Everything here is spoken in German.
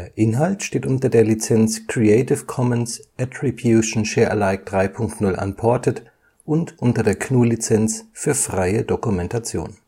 Inhalt steht unter der Lizenz Creative Commons Attribution Share Alike 3 Punkt 0 Unported und unter der GNU Lizenz für freie Dokumentation